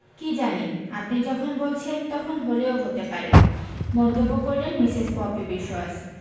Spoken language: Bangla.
কী জানি আপনি যখন বলছেন তখন হলেও হতে পারে মন্তব্য করলেন মিসেস পপি বিশোয়াস